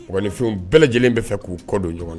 Mɔgɔninfin bɛɛ lajɛlen bɛ fɛ k'u kɔ don ɲɔgɔn na